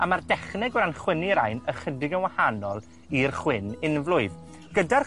A ma'r dechneg o ran chwynnu rain ychydig yn wahanol i'r chwyn unflwydd, gyda'r